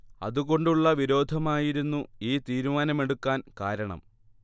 അതുകൊണ്ടുള്ള വിരോധമായിരുന്നു ഈ തീരുമാനമെടുക്കാൻ കാരണം